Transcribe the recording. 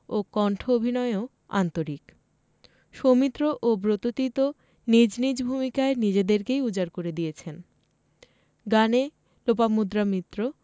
কন্ঠ অভিনয়েও আন্তরিক সৌমিত্র ও ব্রততী তো নিজ নিজ ভূমিকায় নিজেদেরকেই উজাড় করে দিয়েছেন গানে লোপামুদ্রা মিত্র